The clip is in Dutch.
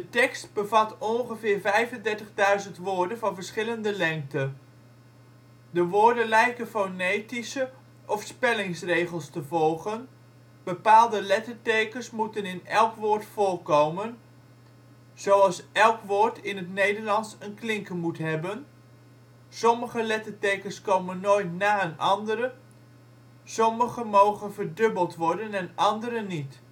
tekst bevat ongeveer 35.000 woorden van verschillende lengte. De woorden lijken fonetische of spellingsregels te volgen: bepaalde lettertekens moeten in elk woord voorkomen (zoals elk woord in het Nederlands een klinker moet hebben), sommige lettertekens komen nooit na een andere, sommige mogen verdubbeld worden en andere niet